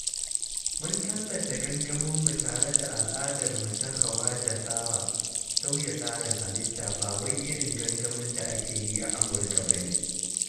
Mun tallata gangaminmu tare da al'adarmu ta KhawajaSara (sauya tsarin halitta) ba wai irin gangamin da ake yi a Amurka ba ne.